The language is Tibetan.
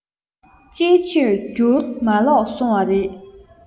ཅིའི ཕྱིར འགྱུར མར ལོག སོང བ རེད